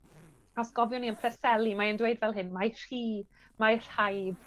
A os gofion ni yn Preseli mae e'n dweud fel hyn mae rhy, mae rhaid